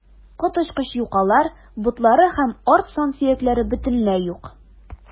Коточкыч юкалар, ботлары һәм арт сан сөякләре бөтенләй юк.